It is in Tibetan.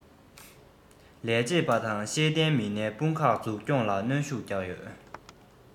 ལས བྱེད པ དང ཤེས ལྡན མི སྣའི དཔུང ཁག འཛུགས སྐྱོང ལ ཤུགས སྣོན བརྒྱབ ཡོད